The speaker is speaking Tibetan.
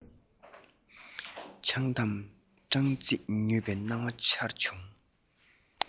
ཆང དང སྦྲང རྩིས མྱོས པའི སྣང བ འཆར བྱུང